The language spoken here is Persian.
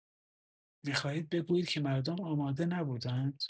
می‌خواهید بگویید که مردم آماده نبودند؟